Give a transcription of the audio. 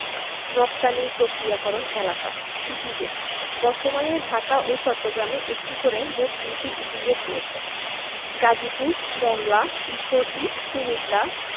রপ্তানি প্রক্রিয়াকরণ এলাকাঃ ইপিজেড বর্তমানে ঢাকা ও চট্টগ্রামে একটি করে মোট ২টি ইপিজেড রয়েছে গাজীপুর মংলা ঈশ্বরদী কুমিল্লা